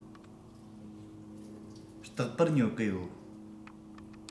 རྟག པར ཉོ གི ཡོད